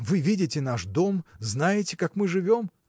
Вы видите наш дом, знаете, как мы живем?.